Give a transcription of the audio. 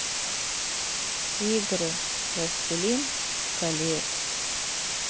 игры властелин колец